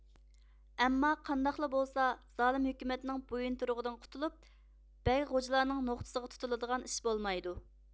ئەمما قانداقلا بولسا زالىم ھۆكۈمەتنىڭ بويۇنتۇرۇقىدىن قۇتۇلۇپ بەگ غوجىلارنىڭ نوختىسىغا تۇتۇلىدىغان ئىش بولمايدۇ